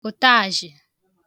ụ̀taazjị̀